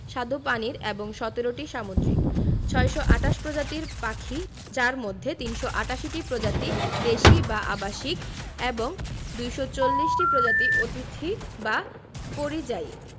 স্বাদুপানির এবং ১৭টি সামুদ্রিক ৬২৮ প্রজাতির পাখি যার মধ্যে ৩৮৮টি প্রজাতি দেশী বা আবাসিক এবং ২৪০ টি প্রজাতি অতিথি বা পরিযায়ী